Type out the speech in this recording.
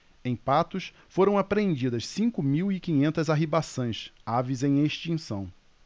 em patos foram apreendidas cinco mil e quinhentas arribaçãs aves em extinção